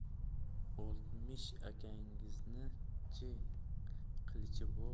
oltmish akangizni chi qilichi bor